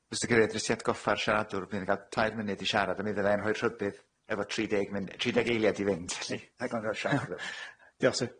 Mistyr Cadeirydd, jyst i atgoffa'r siaradwr bydd yn ca'l tair munud i siarad a mi fydda i'n rhoi rhybudd efo tri deg mun- tri deg eiliad i fynd, felly, rhag ofn i'r siaradw-...Ha, diolch i ti.